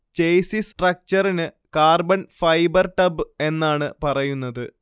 chassis സ്ട്രക്ചറിന് carbon fibre tub എന്നാണ് പറയുന്നത്